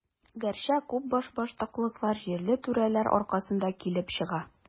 Гәрчә, күп башбаштаклыклар җирле түрәләр аркасында килеп чыга.